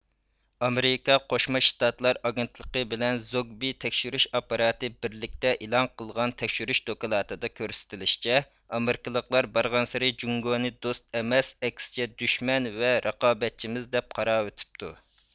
ئامېرىكا قوشما شتاتلار ئاگېنتلىقى بىلەن زوگبىي تەكشۈرۈش ئاپپاراتى بىرلىكتە ئېلان قىلغان تەكشۈرۈش دوكلاتىدا كۆرسىتىلىشىچە ئامېرىكىلىقلار بارغانسېرى جۇڭگونى دوست ئەمەس ئەكسىچە دۈشمەن ۋە رىقابەتچىمىز دەپ قاراۋېتىپتۇ